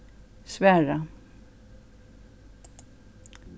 svara